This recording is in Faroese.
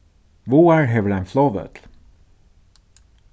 vágar hevur ein flogvøll